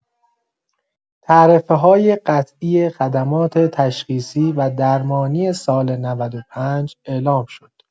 تعرفه‌های قطعی خدمات تشخیصی و درمانی سال ۹۵ اعلام شد.